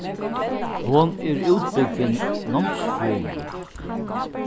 hon er útbúgvin námsfrøðingur